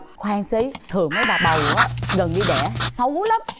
khoan xí thường mấy bà bầu thường đi đẻ xấu lắm